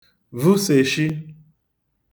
vusèshi